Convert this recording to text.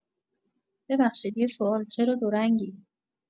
ببخشید یه سوال چرا دو رنگی؟